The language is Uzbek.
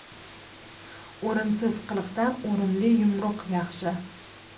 o'rinsiz qiliqdan o'rinli yumruq yaxshi